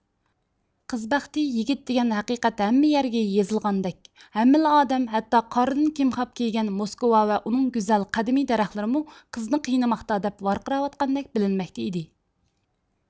قىز بەختى يىگىت دېگەن ھەقىقەت ھەممە يەرگە يېزىلغاندەك ھەممىلا ئادەم ھەتتا قاردىن كىمخاب كىيگەن موسكۋا ۋە ئۇنىڭ گۈزەل قەدىمىي دەرەخلىرىمۇ قىزنى قىينىماقتا دەپ ۋارقىراۋاتقاندەك بىلىنمەكتە ئىدى